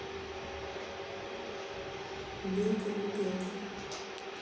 белка глупелка